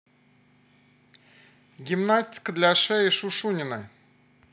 гимнастика для шеи шушунина